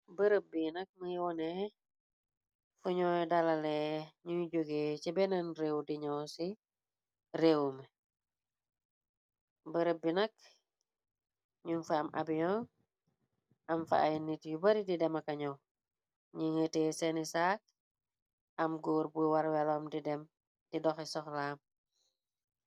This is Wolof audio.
Bërëb bi nak ma oonee fu ñuoy dalalee ñuy jóge ci bennen réew diñoo ci réewu mi. Bërëb bi nak ñu fa am abion am fa ay nit yu bari di dema kañuw ñi ngëtee seeni saak am góor bu war weloom di dem di dohe sohlaam.